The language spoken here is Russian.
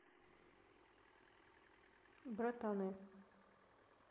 братаны